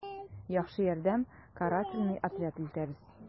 «яхшы ярдәм, карательный отряд илтәбез...»